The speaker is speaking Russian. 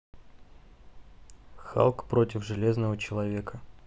халк против железного человека